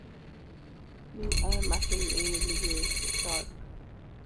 Li ay masini liggéey ci tol .